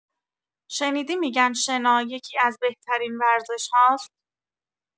شنیدی می‌گن شنا یکی‌از بهترین ورزش‌هاست؟